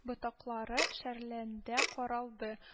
Ботаклары шәрәләнде, каралды